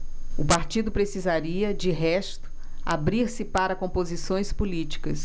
o partido precisaria de resto abrir-se para composições políticas